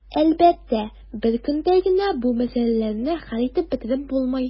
Әлбәттә, бер көндә генә бу мәсьәләләрне хәл итеп бетереп булмый.